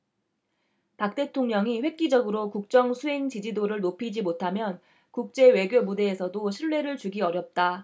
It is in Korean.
박 대통령이 획기적으로 국정수행지지도를 높이지 못하면 국제 외교 무대에서도 신뢰를 주기 어렵다